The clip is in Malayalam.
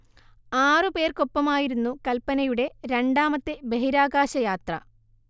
ആറു പേർക്കൊപ്പമായിരുന്നു കൽപനയുടെ രണ്ടാമത്തെ ബഹിരാകാശ യാത്ര